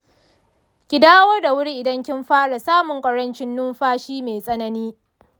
ki dawo da wuri idan kin fara samun ƙarancin numfashi mai tsanani.